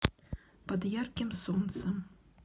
под ярким солнцем